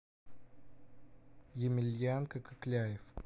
емельяненко кокляев